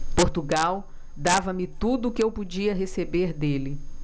portugal dava-me tudo o que eu podia receber dele